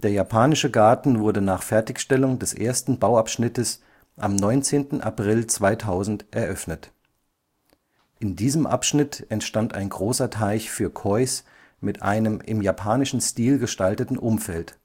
Japanische Garten wurde nach Fertigstellung des ersten Bauabschnittes am 19. April 2000 eröffnet. In diesem Abschnitt entstand ein großer Teich für Kois mit einem im japanischen Stil gestalteten Umfeld